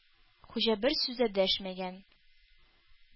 Хуҗа бер сүз дә дәшмәгән.